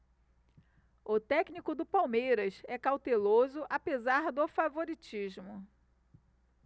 o técnico do palmeiras é cauteloso apesar do favoritismo